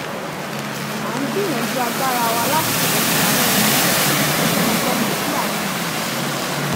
À ń gbìyànjú agbára wa láti pèsè àwọn ìnílò tí ó ṣe gbọmọgbọmọ sí àwọn èèyàn.